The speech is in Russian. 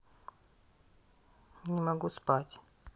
не могу спать